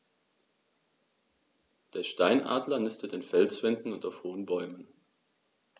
Der Steinadler nistet in Felswänden und auf hohen Bäumen.